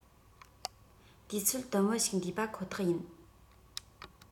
དུས ཚོད དུམ བུ ཞིག འདུས པ ཁོ ཐག ཡིན